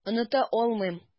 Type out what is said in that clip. Оныта алмыйм.